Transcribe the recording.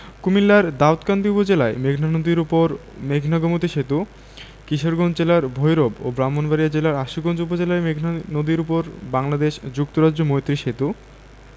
কুমিল্লার দাউদকান্দি উপজেলায় মেঘনা নদীর উপর মেঘনা গোমতী সেতু কিশোরগঞ্জ জেলার ভৈরব ও ব্রাহ্মণবাড়িয়া জেলার আশুগঞ্জ উপজেলায় মেঘনা নদীর উপর বাংলাদেশ যুক্তরাজ্য মৈত্রী সেতু